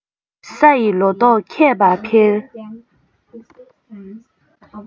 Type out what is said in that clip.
ས ཡི ལོ ཏོག ཁྱད པར འཕེལ